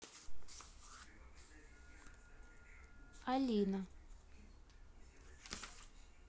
алина